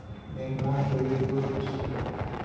mehmon joyi ko'z ustida